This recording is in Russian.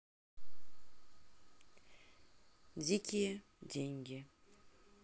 дикие деньги